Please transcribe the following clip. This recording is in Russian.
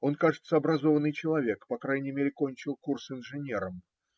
Он, кажется, образованный человек; по крайней мере кончил курс инженером.